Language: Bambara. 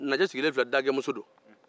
naaje sigilen file dagɛmuso don